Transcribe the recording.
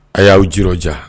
A y'aw ji diya